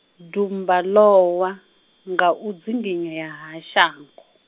dumba lowa, nga u dzinginyea ha shango.